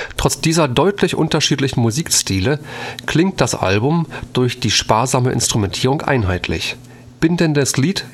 Trotz dieser deutlich unterschiedlichen Musikstile klingt das Album durch die sparsame Instrumentierung einheitlich. Bindendes Glied